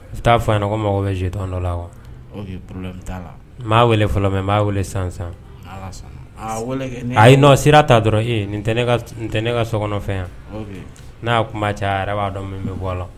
U bɛ taa fɔ a ko mago bɛ jit dɔ la wa fɔlɔ mɛ'a weele sansan a sira ta dɔrɔn tɛ ne ka sokɔnɔfɛn yan n'a tun' ca a b'a dɔn min bɛ bɔ a la